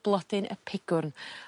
blodyn y pigwrn.